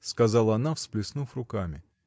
— сказала она, всплеснув руками.